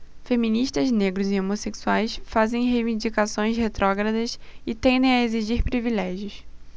feministas negros e homossexuais fazem reivindicações retrógradas e tendem a exigir privilégios